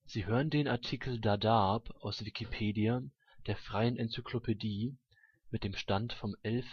Sie hören den Artikel Dadaab, aus Wikipedia, der freien Enzyklopädie. Mit dem Stand vom Der